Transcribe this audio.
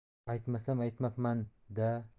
aytmasam aytmabman da